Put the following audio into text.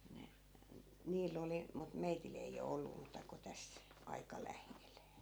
ne niillä oli mutta meillä ei ole ollut muuta kuin tässä aika lähellä